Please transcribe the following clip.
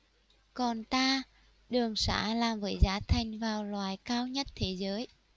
còn ta đường sá làm với giá thành vào loại cao nhất thế giới